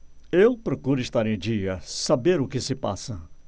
eu procuro estar em dia saber o que se passa